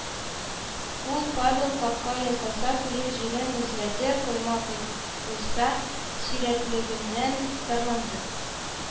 Ул, Павел капка ясаса, кыек җирен эзләде, койма койса, сирәклегеннән зарланды